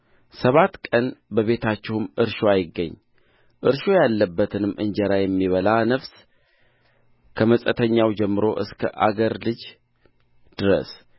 ሰባት ቀን በቤታችሁ እርሾ አይገኝ እርሾ ያለበትንም እንጀራ የሚበላ ነፍስ ከመጻተኛው ጀምሮ እስከ አገር ልጁ ድረስ